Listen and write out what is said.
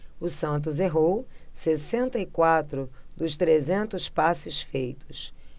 o santos errou sessenta e quatro dos trezentos passes feitos